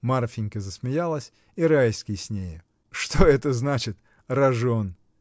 Марфинька засмеялась, и Райский с нею. — Что это значит, рожон?